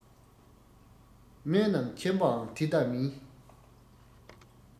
དམན རྣམས ཆེན པོའང དེ ལྟ མིན